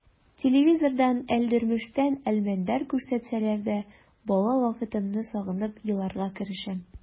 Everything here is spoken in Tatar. Телевизордан «Әлдермештән Әлмәндәр» күрсәтсәләр дә бала вакытымны сагынып еларга керешәм.